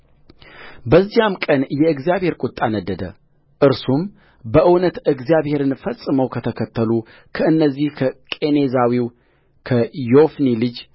በዚያም ቀን የእግዚአብሔር ቍጣ ነደደእርሱም በእውነት እግዚአብሔርን ፈጽመው ከተከተሉ ከእነዚህ ከቄኔዛዊው ከዮፎኔ ልጅ